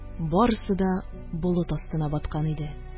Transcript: Барысы да болыт астына баткан иде.